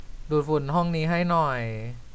ดูดฝุ่นห้องนี้ให้หน่อย